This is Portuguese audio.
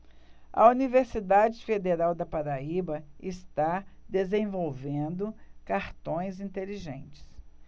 a universidade federal da paraíba está desenvolvendo cartões inteligentes